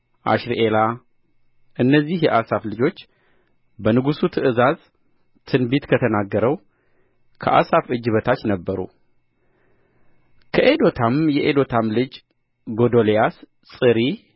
አሸርኤላ እነዚህ የአሳፍ ልጆች በንጉሡ ትእዛዝ ትንቢት ከተናገረው ከአሳፍ እጅ በታች ነበሩ ከኤዶታም የኤዶታም ልጆች ጎዶልያስ ጽሪ